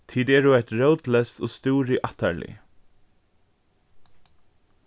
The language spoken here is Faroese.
tit eru eitt rótleyst og stúrið ættarlið